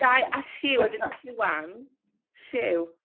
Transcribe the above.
Dai a Siw as in Siwan. Siw.